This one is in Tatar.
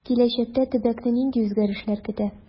Киләчәктә төбәкне нинди үзгәрешләр көтә?